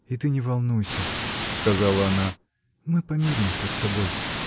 И ты не волнуйся, — сказала она. — Мы помиримся с тобой.